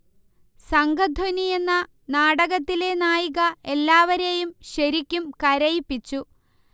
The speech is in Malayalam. സംഘധ്വനി എന്ന നാടകത്തിലെ നായിക എല്ലാവരെയും ശരിക്കും കരയിപ്പിച്ചു